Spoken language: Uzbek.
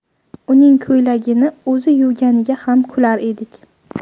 uning ko'ylagini o'zi yuvganiga ham kular edik